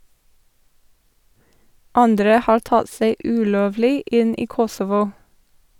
Andre har tatt seg ulovlig inn i Kosovo.